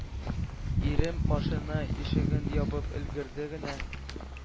Ирем машина ишеген ябып өлгерде генә,